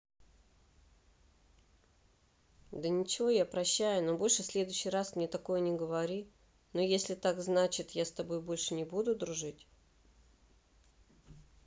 да ничего я прощаю но больше следующий раз мне не такое не говори но если так значит я с тобой больше не буду дружить